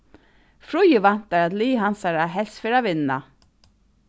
fríði væntar at lið hansara helst fer at vinna